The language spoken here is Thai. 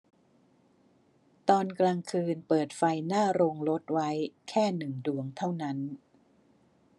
ตอนกลางคืนเปิดไฟหน้าโรงรถไว้แค่หนึ่งดวงเท่านั้น